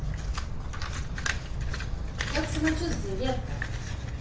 как самочувствие детка